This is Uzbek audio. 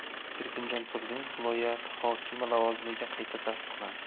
erkinjon turdimov viloyati hokimi lavozimiga qayta tasdiqlandi